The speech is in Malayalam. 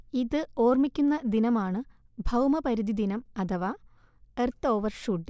ഇത് ഓർമിക്കുന്ന ദിനമാണ് ഭൗമപരിധിദിനം അഥവാ എർത്ത് ഓവർ ഷൂട്ട്